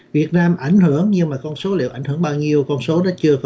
việt nam ảnh hưởng nhưng mà con số liệu ảnh hưởng bao nhiêu con số đó chưa